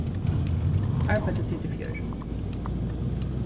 arbeiddu tit í fjør